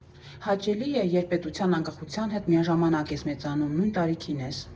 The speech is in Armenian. Հաճելի է, երբ պետության անկախության հետ միաժամանակ ես մեծանում, նույն տարիքին ես։